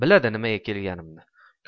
biladi nimaga kelganimni